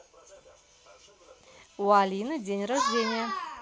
у алины день рождения